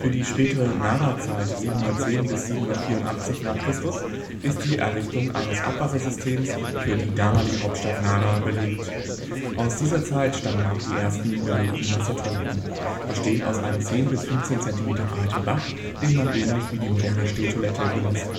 die spätere Nara-Zeit (710 – 784) ist die Errichtung eines Abwassersystems für die damalige Hauptstadt Nara belegt. Aus dieser Zeit stammen auch die ersten belegten Wassertoiletten, bestehend aus einem 10 bis 15 cm breiten Bach, den man ähnlich wie die moderne Stehtoilette benutzt